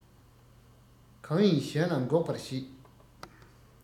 གང ཡིན གཞན ལ འགོད པར བྱེད